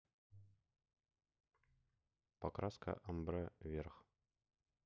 покраска омбре верх